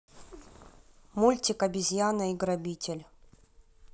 мультик обезьянка и грабитель